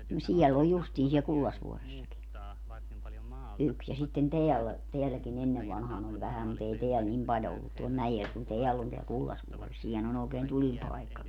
no siellä on justiin siellä Kullasvuoressakin yksi ja sitten täällä täälläkin ennen vanhaan oli vähän mutta ei täällä niin paljon ollut tuolla mäellä kun täällä on täällä Kullasvuoressa siinähän on oikein tulipaikkakin